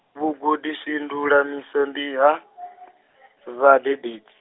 vhugudisindulamiso ndi ha , vhadededzi.